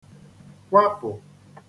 kwapụ̀